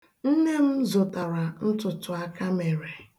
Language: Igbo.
Nne m zụtara ntụtụakamere